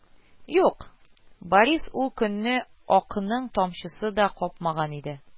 Юк, Борис ул көнне «ак»ның тамчысын да капмаган иде